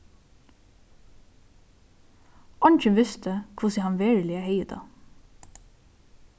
eingin visti hvussu hann veruliga hevði tað